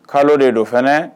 Kalo de don fana